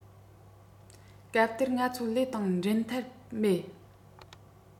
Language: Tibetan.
སྐབས དེར ང ཚོ ལས དང འགྲན ཐབས མེད